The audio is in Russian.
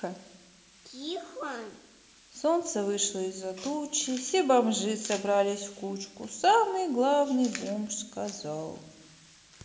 солнце вышло из за тучи все бомжи собрались в кучку самый главный бомж сказал